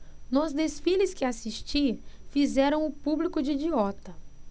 nos desfiles que assisti fizeram o público de idiota